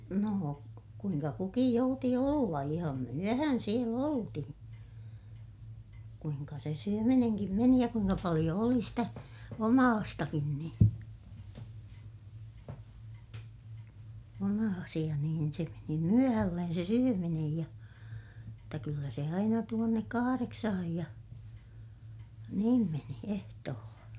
no kuinka kukin jouti olla ihan myöhän siellä oltiin kuinka se syöminenkin meni ja kuinka paljon oli sitä omaistakin niin omaisia niin se meni myöhälle se syöminen ja jotta kyllä se aina tuonne kahdeksaan ja niin meni ehtoolla